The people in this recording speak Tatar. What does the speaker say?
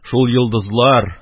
Шул йолдызлар,